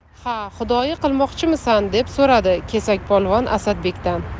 ha xudoyi qilmoqchimisan deb so'radi kesakpolvon asadbekdan